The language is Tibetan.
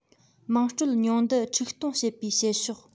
མང སྤྲོད ཉུང བསྡུ འཁྲུག གཏོང བྱེད པའི བྱེད ཕྱོགས